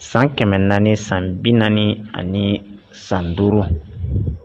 San kɛmɛ naani san bi naani ani san duuru